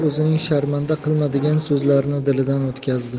o'zing sharmanda qilma degan so'zlarni dilidan o'tkazdi